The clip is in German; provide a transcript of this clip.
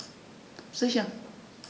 Sicher.